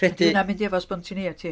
Ydy hwnna'n mynd efo spontaneity.